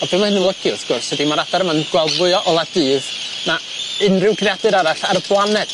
Ond be' ma' hyn yn olygu wrth gwrs ydi ma'r adar yma'n gweld fwy o ola dydd na unrhyw greadur arall ar y blaned.